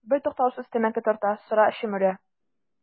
Бертуктаусыз тәмәке тарта, сыра чөмерә.